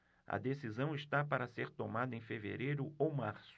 a decisão está para ser tomada em fevereiro ou março